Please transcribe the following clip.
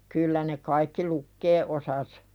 kyllä ne kaikki lukea osasivat